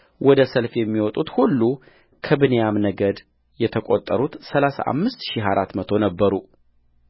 ወደ ሰልፍ የሚወጡት ሁሉከብንያም ነገድ የተቈጠሩት ሠላሳ አምስት ሺህ አራት መቶ ነበሩ